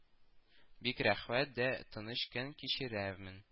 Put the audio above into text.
Бик рәхәт вә тыныч көн кичерәмен